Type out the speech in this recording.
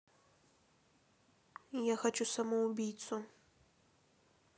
я хочу самоубийцу